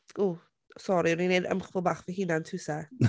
W, sori, ro'n i'n wneud ymchwil bach fy hunan, two secs.